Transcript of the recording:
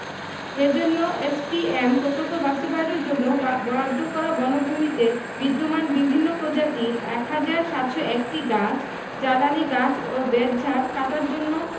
এজন্য এসপিএম প্রকল্প বাস্তবায়নের জন্য বরাদ্দ করা বনভূমিতে বিদ্যমান বিভিন্ন প্রজাতির ১ হাজার ৭০১টি গাছ জ্বালানি গাছ ও বেতঝাড় কাটার জন্য